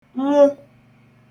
nwụ